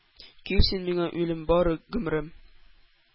Кил син миңа, үлем, бары гомрем